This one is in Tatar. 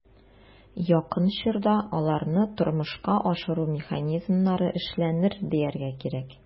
Якын чорда аларны тормышка ашыру механизмнары эшләнер, дияргә кирәк.